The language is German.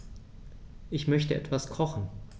Ich möchte etwas kochen.